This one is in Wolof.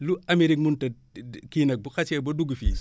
lu Amérique mënut a kii nag bu xasee ba dugg fii